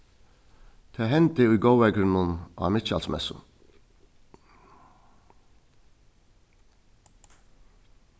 tað hendi í góðveðrinum á mikkjalsmessu